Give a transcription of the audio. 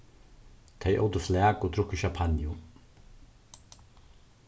tey ótu flak og drukku sjampanju